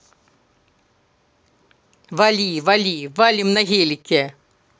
вали вали валим на гелике